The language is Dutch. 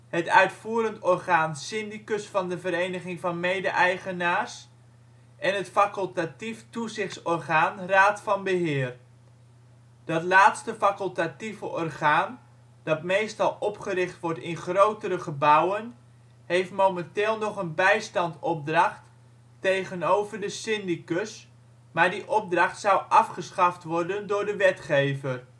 het uitvoerend orgaan syndicus van de Vereniging van Mede-eigenaars en het facultatief toezichtsorgaan Raad van Beheer. Dat laatste facultatieve orgaan, dat meestal opgericht wordt in grotere gebouwen, heeft momenteel nog een bijstandopdracht tegenover de syndicus, maar die opdracht zou afgeschaft worden door de wetgever